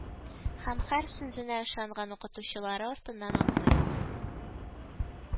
Һәм һәр сүзенә ышанган укытучылары артыннан атлый